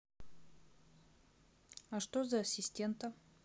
а что за ассистента